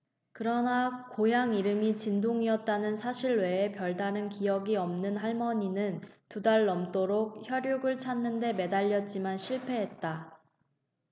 그러나 고향 이름이 진동이었다는 사실 외에 별다른 기억이 없는 할머니는 두 달 넘도록 혈육을 찾는 데 매달렸지만 실패했다